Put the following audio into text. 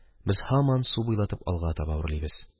Без һаман су буйлатып алга таба үрлибез.